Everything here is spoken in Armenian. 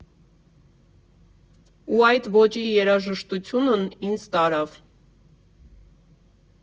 Ու այդ ոճի երաժշտությունն ինձ տարավ։